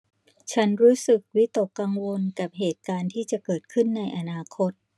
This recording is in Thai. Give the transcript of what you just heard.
ฉันรู้สึกวิตกกังวลกับเหตุการณ์ที่จะเกิดขึ้นในอนาคต